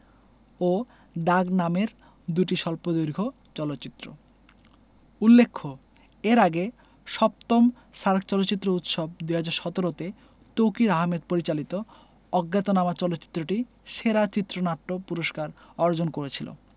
ও দাগ নামের দুটি স্বল্পদৈর্ঘ চলচ্চিত্র উল্লেখ্য এর আগে ৭ম সার্ক চলচ্চিত্র উৎসব ২০১৭ তে তৌকীর আহমেদ পরিচালিত অজ্ঞাতনামা চলচ্চিত্রটি সেরা চিত্রনাট্য পুরস্কার অর্জন করেছিল